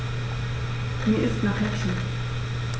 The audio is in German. Mir ist nach Häppchen.